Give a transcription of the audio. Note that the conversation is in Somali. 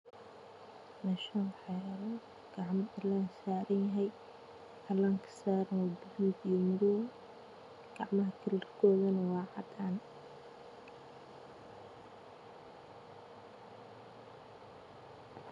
Meeshaan waxaa yaalo gacmo cilaan saaran yahay cilaanka waa gaduud iyo madow gacmahana waa cadaan.